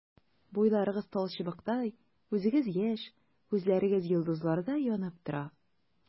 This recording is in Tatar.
Буйларыгыз талчыбыктай, үзегез яшь, күзләрегез йолдызлардай янып тора.